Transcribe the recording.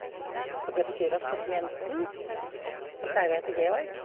Og det betyr at pasienten, som pleier å hete Georg...